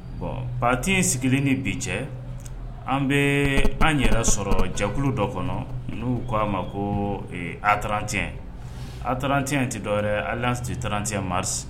Bon pati in sigilen ni bi cɛ an bɛ an yɛrɛ sɔrɔ jɛkulu dɔ kɔnɔ n' k ko'a ma ko atranc atrancɛn tɛ dɔwɛrɛ hali trantiɛn mariri